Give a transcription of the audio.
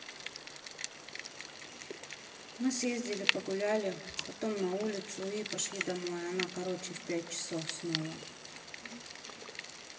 мы съездили погуляли потом на улицу и пошли домой она короче в пять часов снова